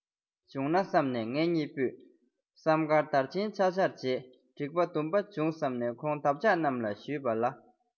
བྱུང ན བསམས ནས ངེད གཉིས པོས བསམ དཀར དར ཆེན འཕྱར འཕྱར བྱས འགྲིག པ སྡུམ པ འབྱུང བསམ ནས ཁོང འདབ ཆགས རྣམས ལ ཞུས པ ལ